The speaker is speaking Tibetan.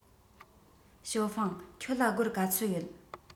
ཞའོ ཧྥང ཁྱོད ལ སྒོར ག ཚོད ཡོད